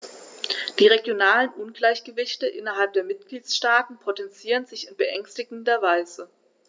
Die regionalen Ungleichgewichte innerhalb der Mitgliedstaaten potenzieren sich in beängstigender Weise.